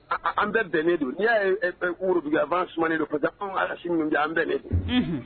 An bɛɛ bɛnnen don n yeuru an b'an sumannen don alasi kɛ an bɛnnen